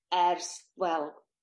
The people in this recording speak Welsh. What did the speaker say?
ers, wel